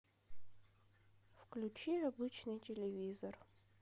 включи обычный телевизор